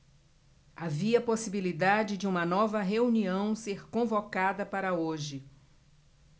havia possibilidade de uma nova reunião ser convocada para hoje